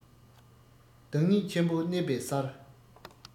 བདག ཉིད ཆེན པོ གནས པའི སར